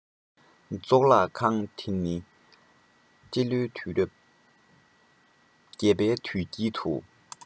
གཙུག ལག ཁང དེ ནི སྤྱི ལོའི དུས རབས ༨ པའི དུས དཀྱིལ དུ